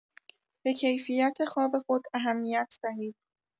به کیفیت خواب خود اهمیت دهید.